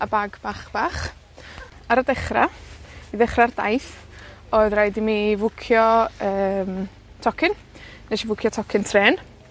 a bag bach, bach. Ar y dechra, i ddechrau'r daith odd raid i mi fwcio yym, tocyn. Nesh i fwcio tocyn trên.